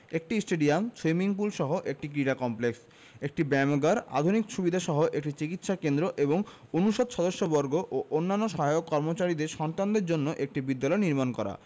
একটি stadium swimming পুলসহ একটি ক্রীড়া কমপ্লেক্স একটি ব্যায়ামাগার আধুনিক সুবিধাসহ একটি চিকিৎসা কেন্দ্র এবং অনুষদ সদস্যবর্গ ও অন্যান্য সহায়ক কর্মচারীদের সন্তানদের জন্য একটি বিদ্যালয় নির্মাণ করা